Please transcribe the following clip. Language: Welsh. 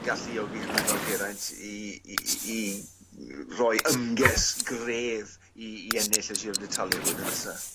galluogi rywun fel Geraint i i i i roi ymges gref i i ennill y Giro d'Italia* blwyddyn nesa.